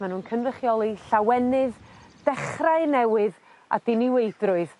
ma' nw'n cynrychioli llawenydd dechrau newydd a diniweidrwydd.